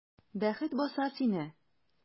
Бәхет баса сине!